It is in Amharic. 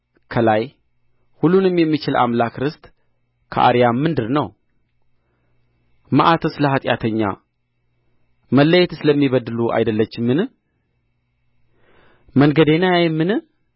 ከላይ ሁሉንም የሚችል አምላክ ርስት ከአርያም ምንድር ነው መዓትስ ለኃጢአተኛ መለየትስ ለሚበድሉ አይደለምችን መንገዴን አያይምን